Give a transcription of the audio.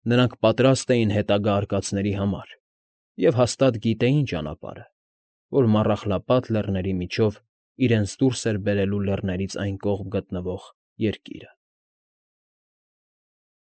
Նրանք պատրաստ էին հետագա արկածների համար և հաստատ գիտեին ճանապարհը, որ Մառախլապատ Լեռների միջով իրենց դուրս էր բերելու լեռներից այն կողմ գտնվող երկիրը ։